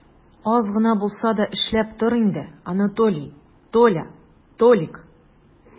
Аз гына булса да эшләп тор инде, Анатолий, Толя, Толик!